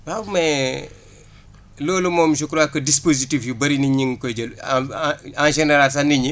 waaw mais loolu moom je crois que dispositifs yu bëri nit ñi ngi koy jël en en général sax nit ñi